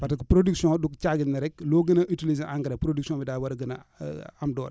parce que production du caagin ne rek loo gën a utiliser engrais production bi daa war a gën a am doole